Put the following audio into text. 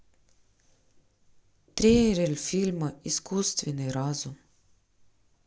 трейлер фильма искусственный разум